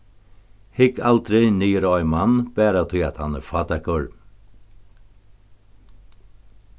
hygg aldri niður á ein mann bara tí at hann er fátækur